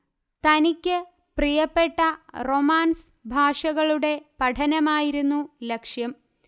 തനിക്ക് പ്രിയപ്പെട്ട റൊമാൻസ് ഭാഷകളുടെ പഠനമായിരുന്നു ലക്ഷ്യം